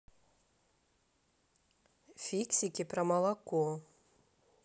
фиксики про молоко